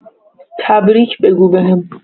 تبریک بگو بهم